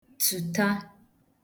dzùta